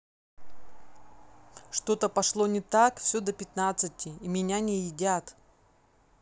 что то пошло не так все до пятнадцати и меня не едят